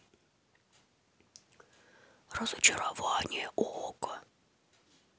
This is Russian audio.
разочарование okko